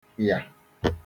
yà